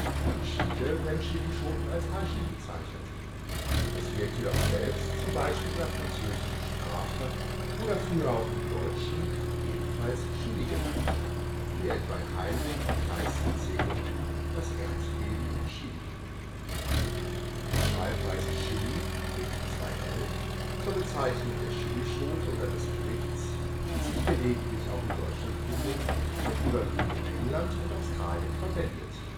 Im Land Chile werden Chilischoten als Ají bezeichnet. Es wird jedoch selbst zum Beispiel in der französischen Sprache oder früher auch im Deutschen ebenfalls Chili genannt, wie etwa in Heinrich von Kleists Erzählung Das Erdbeben in Chili. Die Schreibweise Chilli zur Bezeichnung der Chilischote oder des Gerichts, die sich gelegentlich auch in Deutschland findet, wird überwiegend in England und Australien verwendet